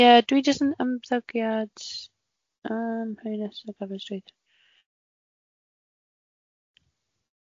Ie dwi jyst yn ymddygiad yym rhai nesaf ar y stryd.